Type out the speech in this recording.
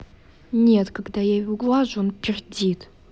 нет когда я его глажу он пердит